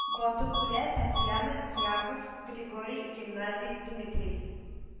Батып үлә , татьяна, яков, григорий, геннадий, дмитрий